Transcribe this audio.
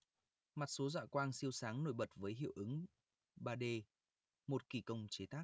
mặt số dạ quang siêu sáng nổi bật với hiệu ứng ba d một kỳ công chế tác